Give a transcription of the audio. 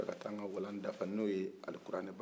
n ka taa ka walan dafa n'o ye alikuranɛ banw ye